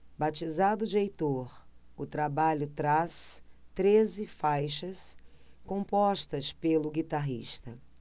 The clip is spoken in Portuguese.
batizado de heitor o trabalho traz treze faixas compostas pelo guitarrista